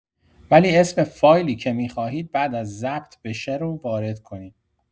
ولی اسم فایلی که می‌خواهید بعد از ضبط بشه رو وارد کنید.